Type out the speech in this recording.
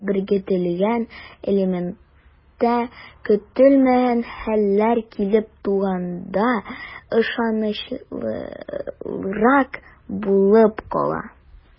Беркетелгән элемтә көтелмәгән хәлләр килеп туганда ышанычлырак булып кала.